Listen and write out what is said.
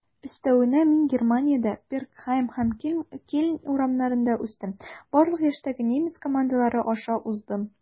Өстәвенә, мин Германиядә, Бергхайм һәм Кельн урамнарында үстем, барлык яшьтәге немец командалары аша уздым.